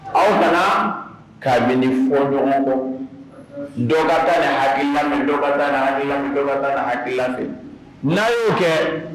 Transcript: Aw nana ka fɔn ɲɔgɔn kɔ. dɔ taa ni hakilina fɛ, dɔ ka taa ni hakilina fɛ, dɔ ka taa ni hakilina fɛ, n'a y'o kɛ